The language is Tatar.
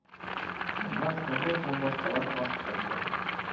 Моңар Сабир һәм башкалар каршы чыкты: